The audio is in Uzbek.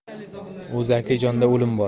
o'zakli jonda o'lim bor